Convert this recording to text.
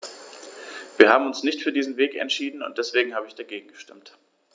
Wir haben uns nicht für diesen Weg entschieden, und deswegen habe ich dagegen gestimmt.